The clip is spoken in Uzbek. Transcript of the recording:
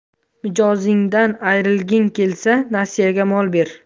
mijozingdan ayrilging kelsa nasiyaga mol ber